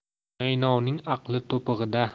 naynovning aqli to'pig'ida